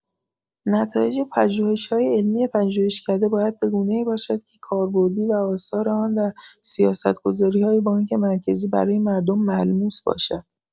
نتایج پژوهش‌‌های علمی پژوهشکده باید به گونه‌ای باشد که کاربردی و آثار آن در سیاستگذاری‌های بانک مرکزی برای مردم ملموس باشد.